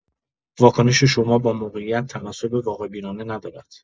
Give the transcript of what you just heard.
واکنش شما با موقعیت تناسب واقع‌بینانه ندارد.